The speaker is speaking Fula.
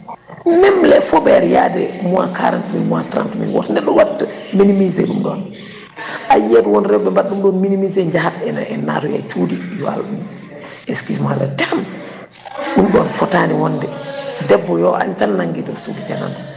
même les fobéres y a des mois quarante mille mois trente mille woto neɗɗo wat néglisé ɗum ɗon ayiyat won rewɓe mbaɗa ɗum ɗum ɗon néglisé jaaha ene ene natoya e cuuɗi yo Allah excuse le terme ɗum ɗon fotani wonde debbo yo añ tan nangguede e suudu janandu